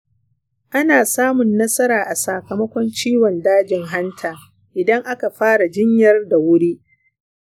ana samun nasara a sakamakon ciwon dajin hanta idan aka fara jinyar da wuri.